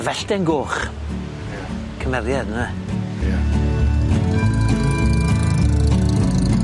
Y fellten goch. Ie. Cymeriad ynde? Ie.